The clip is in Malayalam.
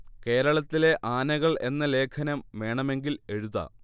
കേരളത്തിലെ ആനകൾ എന്ന ലേഖനം വേണമെങ്കിൽ എഴുതാം